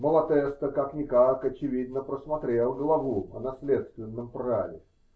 Малатеста, как ни как, очевидно просмотрел главу о наследственном праве.